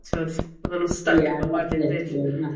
Tibod, fydden nhw'n stuck... ie ...efo fo wedyn fydd.